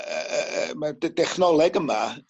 yy yy yy ma'r dy- dechnoleg yma